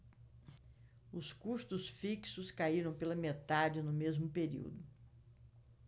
os custos fixos caíram pela metade no mesmo período